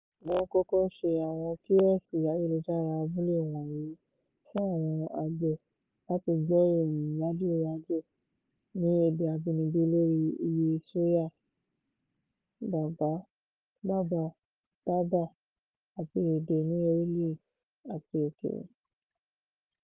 Wọ́n kọ́kọ́ ṣe àwọn kíọ́ọ̀sì ayélujára abúlé wọ̀nyí fún àwọn àgbẹ̀ láti gbọ́ ìròyìn yàjóyàjó ní èdè abínibí lórí ìyè sóyà, bàbà, tábà àti èdè ní orílẹ̀ àti òkèèrè.